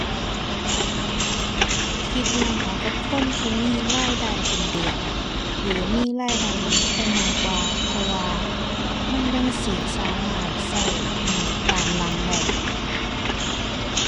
คิดว่าเหมาะกับคนที่มีรายได้เป็นเดือนหรือมีรายได้มั่นคงมากกว่า เพราะว่ามันจั่งสิสามารถใช้หนี้ตามหลังได้